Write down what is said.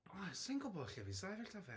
Oo, sa i'n gwbod lle fi'n sefyll 'da fe.